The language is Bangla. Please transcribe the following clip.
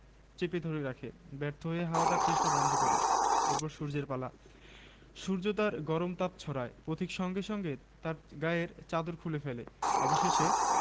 চেপে ধরে রাখে ব্যর্থ হয়ে হাওয়া তার চেষ্টা বন্ধ করে এর পর সূর্যের পালা সূর্য তার গরম তাপ ছড়ায় পথিক সঙ্গে সঙ্গে তার গায়ের চাদর খুলে ফেলে অবশেষে